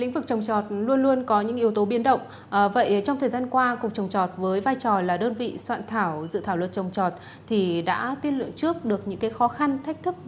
lĩnh vực trồng trọt luôn luôn có những yếu tố biến động ở vậy trong thời gian qua cục trồng trọt với vai trò là đơn vị soạn thảo dự thảo luật trồng trọt thì đã tiên lượng trước được những cái khó khăn thách thức